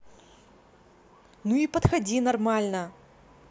ну и подходи нормально